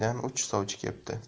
joydan uch sovchi kepti